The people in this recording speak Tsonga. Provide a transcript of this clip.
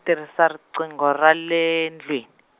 tirhisa riqingo ra le ndlwini.